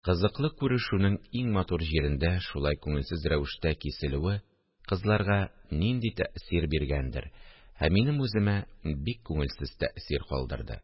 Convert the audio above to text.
Кызыклы күрешүнең иң матур җирендә шулай күңелсез рәвештә киселүе кызларга нинди тәэсир биргәндер, ә минем үземә бик күңелсез тәэсир калдырды